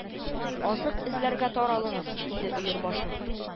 — азык эзләргә таралыгыз! — диде өер башы